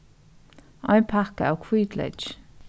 ein pakka av hvítleyki